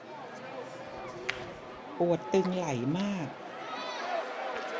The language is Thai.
ปวดตึงไหล่มาก